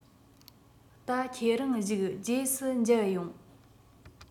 ད ཁྱེད རང བཞུགས རྗེས སུ མཇལ ཡོང